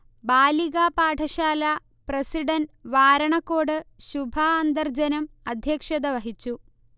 ബാലികാപാഠശാല president Varanakkode Shubha അന്തർജനം അധ്യക്ഷത വഹിച്ചു